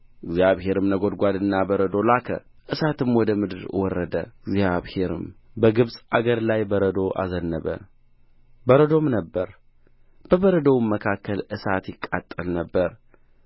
እግዚአብሔርም ነጎድጓድና በረዶ ላከ እሳትም ወደ ምድር ወረደ እግዚአብሔርም በግብፅ አገር ላይ በረዶ አዘነበ በረዶም ነበረ በበረዶውም መካከል እሳት ይቃጠል ነበር